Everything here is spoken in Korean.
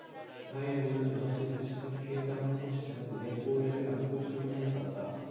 사 일 오전 여섯 시 삼십 분 피해자 황모씨는 목에 보호대를 감고 출근해 있었다